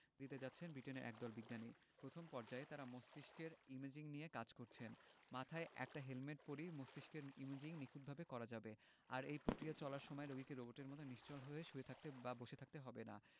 দিতে যাচ্ছেন ব্রিটেনের একদল বিজ্ঞানী প্রথম পর্যায়ে তারা মস্তিষ্কের ইমেজিং নিয়ে কাজ করেছেন মাথায় একটা হেলমেট পরেই মস্তিষ্কের ইমেজিং নিখুঁতভাবে করা যাবে আর এই প্রক্রিয়া চলার সময় রোগীকে রোবটের মতো নিশ্চল শুয়ে কিংবা বসে থাকতে হবে না